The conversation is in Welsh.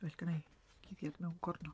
Well genna i cuddiad mewn cornel.